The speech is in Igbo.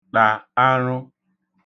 tà arụ